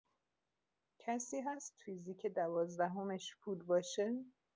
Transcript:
کسی هست فیزیک دوازدهمش فول باشه؟